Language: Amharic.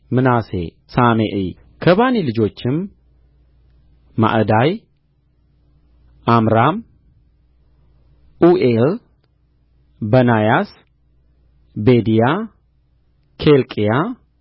ምናሴ ሰሜኢ ከባኒ ልጆችም መዕዳይ ዓምራም ኡኤል በናያስ ቤድያ ኬልቅያ